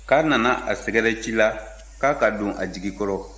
k'a nana a sɛgɛrɛ ci la k'a ka don a jigi kɔrɔ